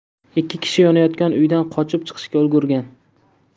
ikki kishi yonayotgan uydan qochib chiqishga ulgurgan